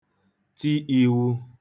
ti īwū